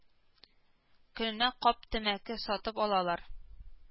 Көненә - кап тәмәке сатып алалар